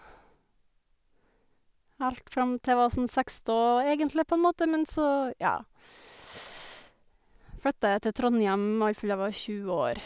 Helt fram til jeg var sånn seksten, egentlig på en måte, men så, ja flytta jeg til Trondhjem i alle fall, jeg var tjue år.